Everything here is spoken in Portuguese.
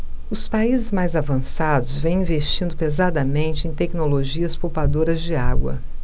os países mais avançados vêm investindo pesadamente em tecnologias poupadoras de água